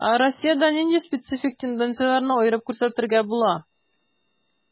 Ә Россиядә нинди специфик тенденцияләрне аерып күрсәтергә була?